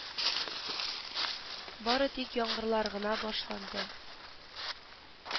Бары тик яңгырлар гына башланды